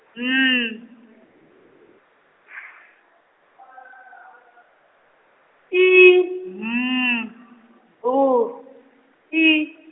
N S I M B I.